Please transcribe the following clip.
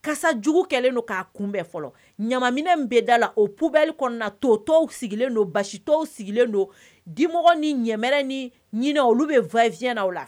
Karisa jugu kɛlenlen don k'a kunbɛn fɔlɔ ɲamina bɛ da la o pubili kɔnɔna to tɔw sigilen don basi tɔw sigilen don dimɔgɔ ni ɲɛɛrɛ ni ɲinina olu bɛ vyna la